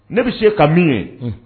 Ne bɛ se ka min ye